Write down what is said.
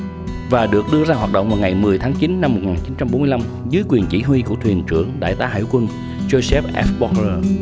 và được đưa ra hoạt động vào ngày mười tháng chín năm một ngàn chín trăm bốn mươi lăm dưới quyền chỉ huy của thuyền trưởng đại tá hải quân giô xép e boóc